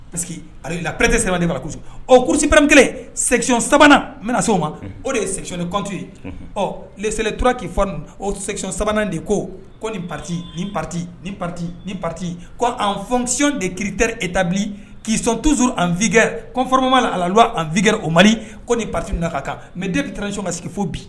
Pari que ali laprete sɛbɛn bara kurusipme kelen sɛcɔn sabanan n bɛna se o ma o de ye sɛcnito ye ɔ lesle tora'c sabanan de ko ko ni pati ni pati ni pati ni pati ko an fɔsiyon de kiiriter e tabi kiisɔn tus an fiifma alal anfiiɛrɛ o mari ko ni pati na ka kan mɛ de bɛ tresi ma sigi fo bi